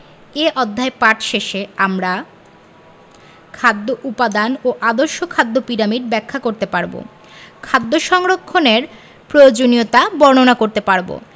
এ অধ্যায় পাঠ শেষে আমরা খাদ্য উপাদান ও আদর্শ খাদ্য পিরামিড ব্যাখ্যা করতে পারব খাদ্য সংরক্ষণের প্রয়োজনীয়তা বর্ণনা করতে পারব